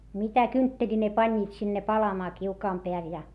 mitä kyntteliä ne panivat sinne palamaan kiukaan päälle ja